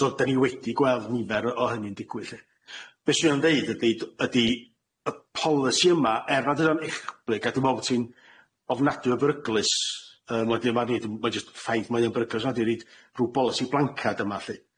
So dan ni wedi gweld nifer o o hynny'n digwydd lly. Be' swnio'n ddeud ydi d- ydi y polisi yma er ma' dyna'n echblig a dwi me'wl bo' ti'n ofnadwy o beryglus yym wedyn ma' nid yn ma' jyst ffaith mae o'n beryglus nadi reit rhw bolisi blanca' dyma' lly.